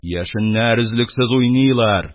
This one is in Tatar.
Яшеннәр өзлексез уйныйлар,